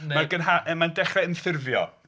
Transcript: Neu? Mae'r gyngha- mae'n dechrau... yn ffurfio.